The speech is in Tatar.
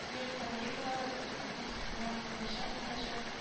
Йорт хозяйкалары берсе икенчесенә эндәшә-эндәшә